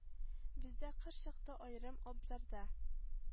Бездә кыш чыкты аерым абзарда